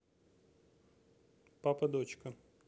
папа дочка